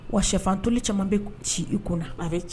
Wa shɛfantuli caman bɛ si i kunna a bɛ ci